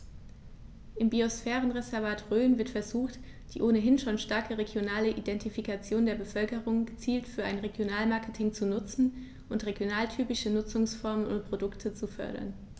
Im Biosphärenreservat Rhön wird versucht, die ohnehin schon starke regionale Identifikation der Bevölkerung gezielt für ein Regionalmarketing zu nutzen und regionaltypische Nutzungsformen und Produkte zu fördern.